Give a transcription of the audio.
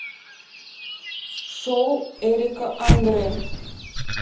шоу эрика андре